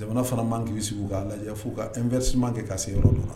Jamana fana man k'i sigi k'a lajɛ'u kapman kɛ ka se yɔrɔ don